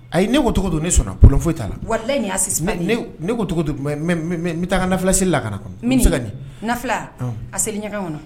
Ayi ne ko tɔgɔ don ne sɔnna p foyi t' la wali ne n taa ka fulasi la ka kɔnɔ n se nin a